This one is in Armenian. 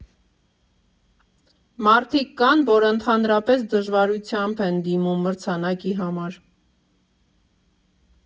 Մարդիկ կան, որ ընդհանրապես դժվարությամբ են դիմում մրցանակի համար։